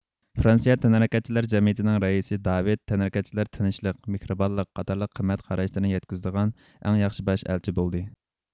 فرانسىيە تەنھەرىكەتچىلەر جەمئىيىتىنىڭ رەئىسى داۋىد تەنھەرىكەتچىلەر تىنچلىق مېھرىبانلىق قاتارلىق قىممەت قاراشلىرىنى يەتكۈزىدىغان ئەڭ ياخشى باش ئەلچى بولدى